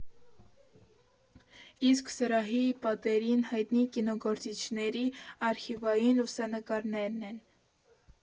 Իսկ սրահի պատերին հայտնի կինոգործիչների արխիվային լուսանկարներն են։